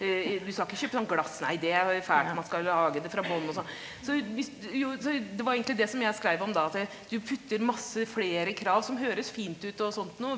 du skal ikke kjøpe sånn glass nei det er fælt, man skal lage det fra bånn og sånn så hvis jo så det var egentlig det som jeg skreiv om da, at du putter masse flere krav som høres fint ut og sånt noe.